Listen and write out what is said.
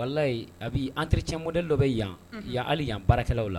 Wala a' an teriri cɛ mod dɔ bɛ yan ya ale yan baarakɛlawlaw la